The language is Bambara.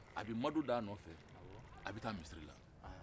a bɛ madu d'a nɔfɛ a bɛ taa misiri la